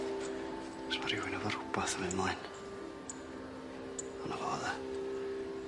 Os ma' rywun efo rhwbath yn myn' mlaen. On' 'na fo yfe?